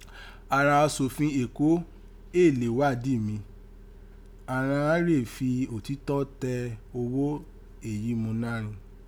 Àghan asòfin Eko éè lè wádìí mi, àghan rèé fi òtìtẹ̀ tẹ̀ oghó èyí mo ná rin